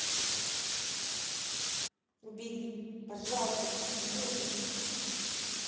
убери пожалуйста фигню убери